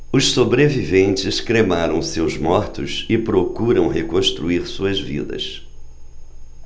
os sobreviventes cremaram seus mortos e procuram reconstruir suas vidas